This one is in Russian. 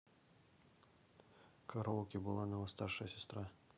караоке буланова старшая сестра